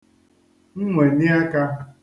nnwèniaka